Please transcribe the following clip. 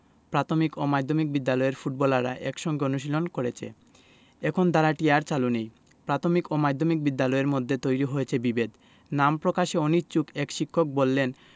প্রাথমিক ও মাধ্যমিক বিদ্যালয়ের ফুটবলাররা একসঙ্গে অনুশীলন করেছে এখন ধারাটি আর চালু নেই প্রাথমিক ও মাধ্যমিক বিদ্যালয়ের মধ্যে তৈরি হয়েছে বিভেদ নাম প্রকাশে অনিচ্ছুক এক শিক্ষক বললেন